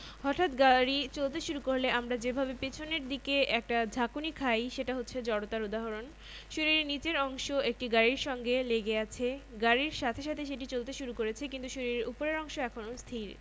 একই গতিতে ছুটে আসা একটা হালকা সাইকেল আর একটা ভারী ট্রাককে আমরা একদৃষ্টিতে দেখি না তার কারণটা হচ্ছে ভরের পার্থক্য কিন্তু ভরটা আসলে কী